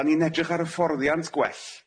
Dan ni'n edrych ar hyfforddiant gwell.